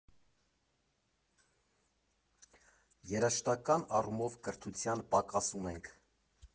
Երաժշտական առումով կրթության պակաս ունենք։